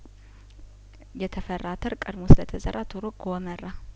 የተፈራ አተር ቀድሞ ስለተዘራ ቶሎ ጐመራ